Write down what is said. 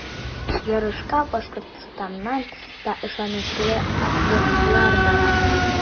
Ярышка Башкортстаннан да ышанычлы атлетлар бара.